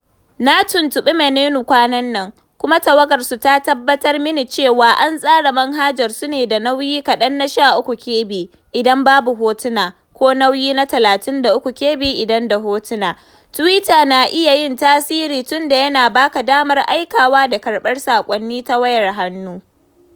Na tuntuɓi Maneno kwanan nan, kuma tawagarsu ta tabbatar mini cewa An tsara manhajarsu ne da nauyi kaɗan na 13 kb idan babu hotuna, ko nauyi na 33 kb idan da hotuna… Twitter na iya yin tasiri tunda yana ba ka damar aikawa da karɓar saƙwannni ta wayar hannu.